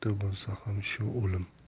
erta bo'lsa ham shu o'lim